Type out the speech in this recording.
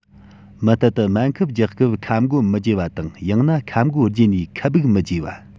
མུ མཐུད དུ སྨན ཁབ རྒྱག སྐབས ཁབ མགོ མི བརྗེ བ དང ཡང ན ཁབ མགོ བརྗེ ནས ཁབ སྦུག མི བརྗེ བ